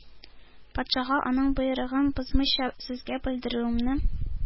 Патшага аның боерыгын бозмыйча сезгә белдерүемне